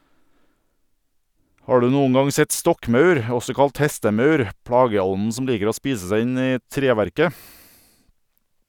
Har du noen gang sett stokkmaur , også kalt hestemaur, plageånden som liker å spise seg inn i treverket?